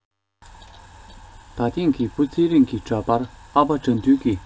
ད ཐེངས ཀྱི བུ ཚེ རིང གི འདྲ པར ཨ ཕ དགྲ འདུལ གྱི